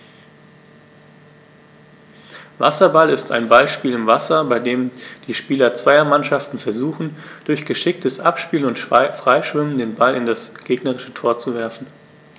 Wasserball ist ein Ballspiel im Wasser, bei dem die Spieler zweier Mannschaften versuchen, durch geschicktes Abspielen und Freischwimmen den Ball in das gegnerische Tor zu werfen.